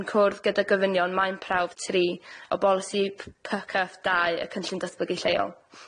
yn cwrdd gyda gofynion maen prawf tri o bolisi py cyff dau y cynllun datbygu lleol.